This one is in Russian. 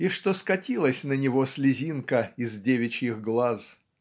и что скатилась на него слезинка из девичьих глаз.